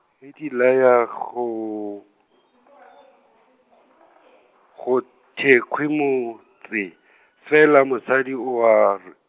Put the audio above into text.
ge di laya go , go thekgwe motse, fela mosadi o a r-.